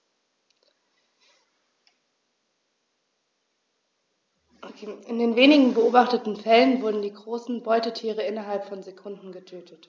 In den wenigen beobachteten Fällen wurden diese großen Beutetiere innerhalb von Sekunden getötet.